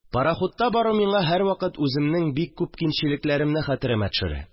Пароходта бару миңа һәрвакыт үземнең бик күп кимчелекләремне хәтеремә төшерә